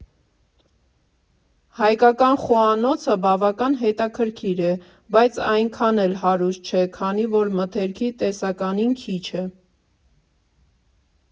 Հայկական խոհանոցը բավական հետաքրքիր է, բայց այնքան էլ հարուստ չէ, քանի որ մթերքի տեսականին քիչ է։